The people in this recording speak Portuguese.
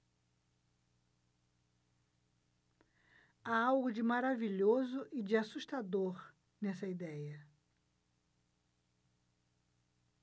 há algo de maravilhoso e de assustador nessa idéia